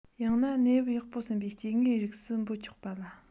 ཡང ན གནས བབ ཡག པོ ཟིན པའི སྐྱེ དངོས རིགས སུ འབོད ཆོག པ ལ